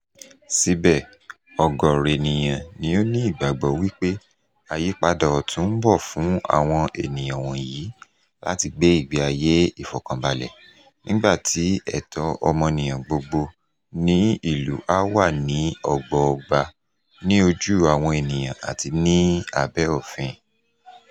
Síbẹ̀, ọ̀gọ̀rọ̀ ènìyàn ni ó ní ìgbàgbọ́ wípé àyípadà ọ̀tún ń bọ̀ fún àwọn ènìyàn wọ̀nyí láti gbé ìgbé ayé ìfọkànbalẹ̀ nígbà tí ẹ̀tọ́ ọmọnìyàn gbogbo ní ìlú á wà ní ọ̀gbọọgba ní ojú àwọn ènìyàn àti ní abẹ́ òfin.